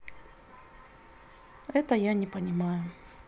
это я не понимаю